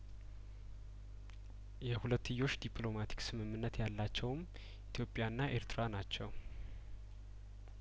የሁለትዮሽ ዲፕሎማቲክ ስምምነት ያላቸውም ኢትዮጵያና ኤርትራ ናቸው